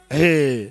H